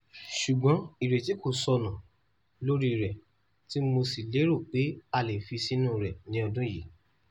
Ṣùgbọ́n ìrètí kò sọnù lórí rẹ̀ tí mo sì lérò pé a lè fi sínú rẹ̀ ní ọdún yìí!